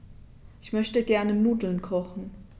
Ich möchte gerne Nudeln kochen.